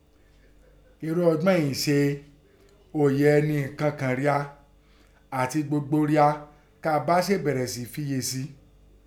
Ẹnrú ọgbọ́n ìnín ín ìn se òye ọnì kọ̀ọ̀kàn ria àtẹn gbogbo ria ká a bá bẹ̀rẹ̀ sẹ́ní fiè sẹ́́ ẹ.